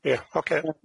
Ia, ocê.